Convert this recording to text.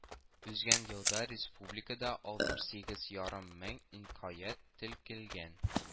Узган елда республикада алтмыш сигез, ярым биш мең инаять теркәлгән